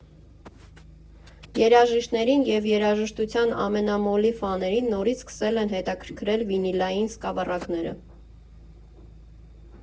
Երաժիշտներին և երաժշտության ամենամոլի ֆաներին նորից սկսել են հետաքրքրել վինիլային սկավառակները։